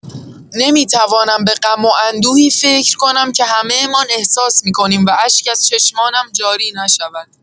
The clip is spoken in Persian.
نمی‌توانم به غم و اندوهی فکر کنم که همه‌مان احساس می‌کنیم و اشک از چشمانم جاری نشود!